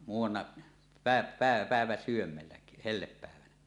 muutamana -- päiväsydämellä hellepäivänä